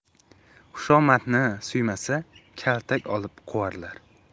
xushomadni suymasa kaltak olib quvarlar